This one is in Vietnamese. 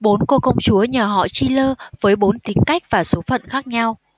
bốn cô công chúa nhà họ chil với bốn tính cách và số phận khác nhau